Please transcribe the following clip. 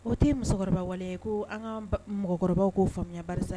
O te musokɔrɔba waleya ye koo an ŋ'an ba mɔgɔkɔrɔbaw k'o faamuya barisa